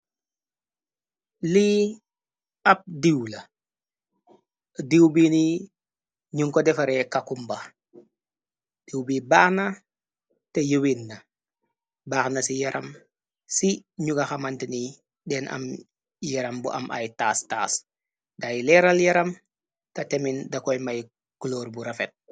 Li ab diiw la diiw bini ñun ko defaree kakumba diiw bi baaxna te yewin na baaxna ci yaram ci ñu ga xamant ni deen am yaram bu am ay taas taas day leeral yaram ta temin dakoy may kuloor bu rafet.